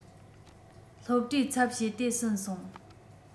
སློབ གྲྭའི ཚབ བྱས ཏེ ཟིན སོང